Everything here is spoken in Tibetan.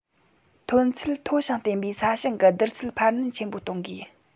ཐོན ཚད མཐོ ཞིང བརྟན པའི ས ཞིང གི བསྡུར ཚད འཕར སྣོན ཆེན པོ གཏོང དགོས